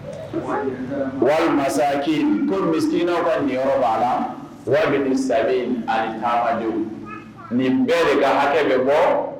Wa masakɛki ko misiina ka ninyɔrɔ b' la waramini sa ani taa nin bɛɛ de ka hakɛ bɛ bɔ